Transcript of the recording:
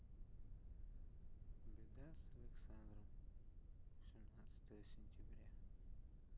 беседа с александром восемнадцатое сентября